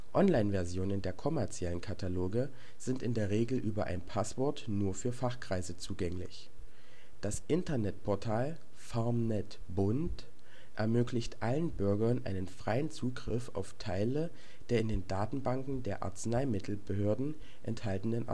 Online-Versionen der kommerziellen Kataloge sind in der Regel über ein Passwort nur für Fachkreise zugänglich. Das Internetportal PharmNet.Bund ermöglicht allen Bürgern freien Zugriff auf Teile der in den Datenbanken der Arzneimittelbehörden enthaltenen